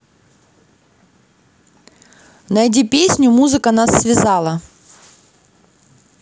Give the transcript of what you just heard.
найди песню музыка нас связала